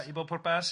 ...de i bob pwrpas.